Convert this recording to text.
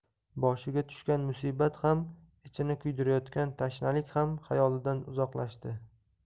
boshiga tushgan musibat ham ichini kuydirayotgan tashnalik ham xayolidan uzoqlashdi